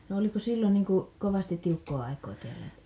no oliko silloin niin kuin kovasti tiukkaa aikaa täällä